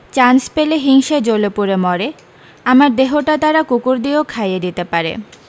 chance পেলে হিংসেয় জ্বলে পুড়ে মরে আমার দেহটা তারা কুকুর দিয়েও খাইয়ে দিতে পারে